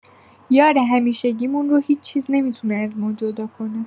یار همیشگیمون رو هیچ‌چیز نمی‌تونه از ما جدا کنه.